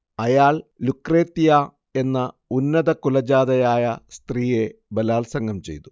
അയാൾ ലുക്രേത്തിയ എന്ന ഉന്നതകുലജാതയായ സ്ത്രീയെ ബലാത്സംഗം ചെയ്തു